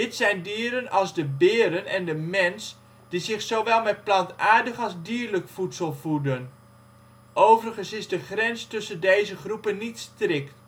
zijn dieren als de beren en de mens, die zich zowel met plantaardig als dierlijk voedsel voeden. Overigens is de grens tussen deze groepen niet strikt